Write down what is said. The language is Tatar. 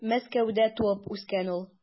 Мәскәүдә туып үскән ул.